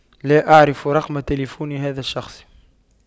لا اعرف رقم تلفون هذا الشخص